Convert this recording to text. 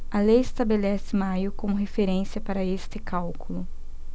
a lei estabelece maio como referência para este cálculo